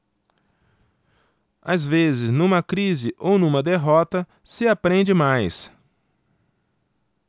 às vezes numa crise ou numa derrota se aprende mais